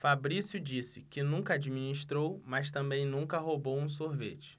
fabrício disse que nunca administrou mas também nunca roubou um sorvete